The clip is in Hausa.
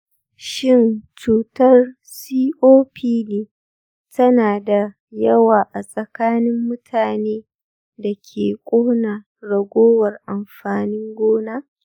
shin cutar copd tana da yawa a tsakanin mutanen da ke ƙona ragowar amfanin gona?